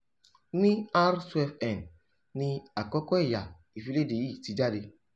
Ní r12n ni àkọ́kọ́ ẹ̀yà ìfiléde yìí ti jáde